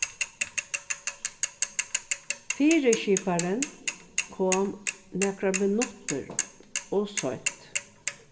fyriskiparin kom nakrar minuttir ov seint